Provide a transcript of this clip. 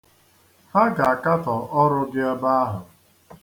Ha ga-akatọ ọrụ gị ebe ahụ.